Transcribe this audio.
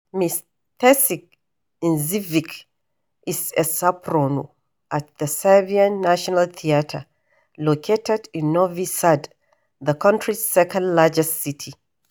Ms. Tasić Knežević is a soprano at the Serbian National Theatre, located in Novi Sad, the country's second largest city.